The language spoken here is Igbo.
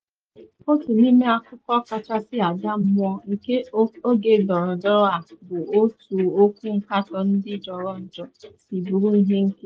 Otu n’ime akụkụ kachasị ada mmụọ nke oge ndọrọndọrọ a bụ otu okwu nkatọ ndị jọrọ njọ si buru ihe nkịtị.